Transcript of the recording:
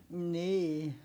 niin